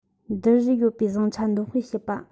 བསྡུར གཞི ཡོད པའི བཟང ཆ འདོན སྤེལ བྱེད པ